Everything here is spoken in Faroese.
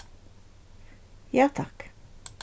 ja takk